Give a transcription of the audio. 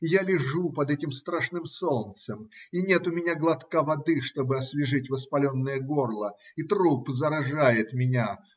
И я лежу под этим страшным солнцем, и нет у меня глотка воды, чтоб освежить воспаленное горло, и труп заражает меня.